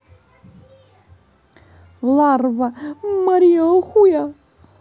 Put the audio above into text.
larva марио хуя